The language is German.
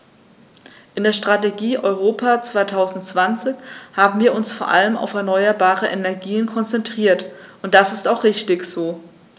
In der Strategie Europa 2020 haben wir uns vor allem auf erneuerbare Energien konzentriert, und das ist auch richtig so.